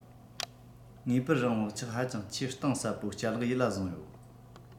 ངེས པར རང བག ཆགས ཧ ཅང ཆེས གཏིང ཟབ པོ ལྕ ལག ཡིད ལ བཟུང ཡོད